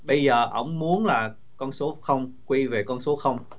bây giờ ổng muốn là con số không quay về con số không